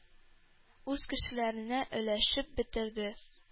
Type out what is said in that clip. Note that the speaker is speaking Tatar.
Үз кешеләренә өләшеп бетерде.